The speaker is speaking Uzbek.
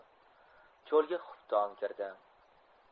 cho'lga xufton kirdi